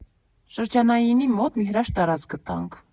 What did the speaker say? Շրջանայինի մոտ մի հրաշք տարածք գտանք։